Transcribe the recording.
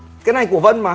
cái này của vân mà